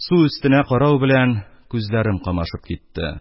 Су өстенә карау белән күзләрем камашып китте.